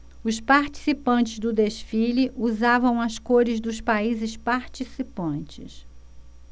os participantes do desfile usavam as cores dos países participantes